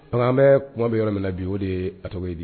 Ɔɔ an bɛɛ, kuma bɛ yɔrɔ minna bi, o de yee a tɔgɔ